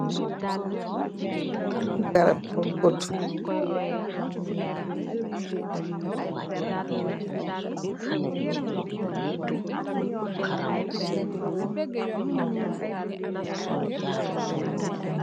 Garab pul beutt